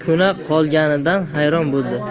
ko'na qolganidan hayron bo'ldi